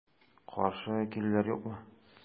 Каршы килүләр юкмы?